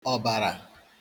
ọ̀bàrà